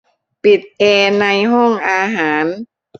ปิดแอร์ในห้องอาหาร